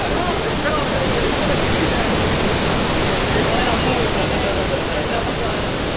Dwi'n meddwl os 'sen ni'n clywed fatha rywun yn rhedeg fyny grisiau ac yn yn pantio, 'sen ni'n gweld hynna mwy scary, na fatha...